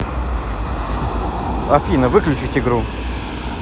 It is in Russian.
афина выключить игру